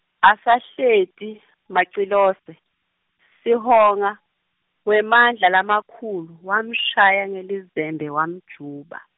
Asahleti, Macilose, Sihonga, wemandla lamakhulu wamshaya ngelizembe wamjuba.